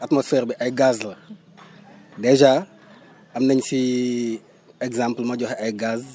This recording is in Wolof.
atmosphère bi ay gaz la dèjà am nañ fi exemple ma joxe ay gaz